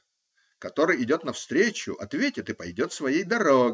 Который идет навстречу -- ответит и пойдет своей дорогой.